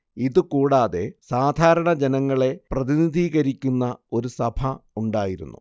ഇതു കൂടാതെ സാധാരണ ജനങ്ങളെ പ്രതിനിധീകരിക്കുന്ന ഒരു സഭ ഉണ്ടായിരുന്നു